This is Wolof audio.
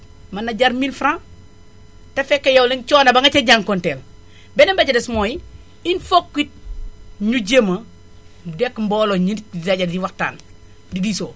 mën na jar 1000F te fekk yow coono ba nga ca jànkuwanteel beneen ba ca des mooy il faut que it ñu jéem a nekk mbooloo di daje di waxtaan di diisoo